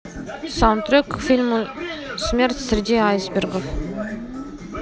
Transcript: саундтрек к фильму смерть среди айсбергов